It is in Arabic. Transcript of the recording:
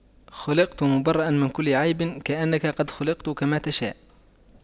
خلقت مُبَرَّأً من كل عيب كأنك قد خُلقْتَ كما تشاء